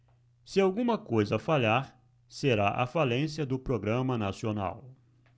se alguma coisa falhar será a falência do programa nacional